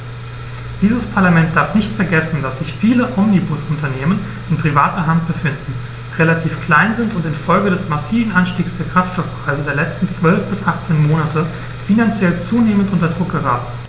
Dieses Parlament darf nicht vergessen, dass sich viele Omnibusunternehmen in privater Hand befinden, relativ klein sind und in Folge des massiven Anstiegs der Kraftstoffpreise der letzten 12 bis 18 Monate finanziell zunehmend unter Druck geraten.